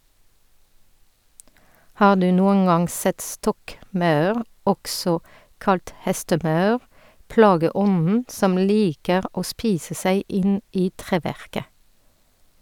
Har du noen gang sett stokkmaur, også kalt hestemaur, plageånden som liker å spise seg inn i treverket?